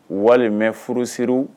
Walima bɛ furu se